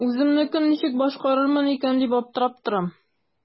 Үземнекен ничек башкарырмын икән дип аптырап торам.